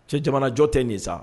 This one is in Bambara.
Cɛ jamanajɔ tɛ nin sa